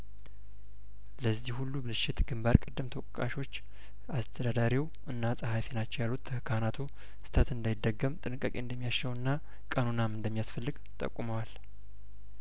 ለዚህ ሁሉ ብልሽት ግንባር ቀደም ተወቃ ሾች አስተዳዳሪው እና ጸሀፊ ናቸው ያሉት ካህናቱ ስተት እንዳይደገም ጥንቃቄ እንደሚያሻውና ቀኖናም እንደሚያስፈልግ ጠቁመዋል